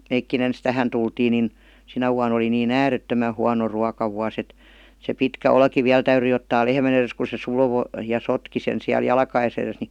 mekin ensin tähän tultiin niin sinä vuonna oli niin äärettömän huono ruokavuosi että se pitkä olki vielä täytyi ottaa lehmän edestä kun se survoi ja sotki sen siellä jalkojensa edessä niin